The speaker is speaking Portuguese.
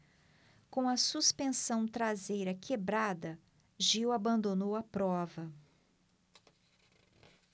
com a suspensão traseira quebrada gil abandonou a prova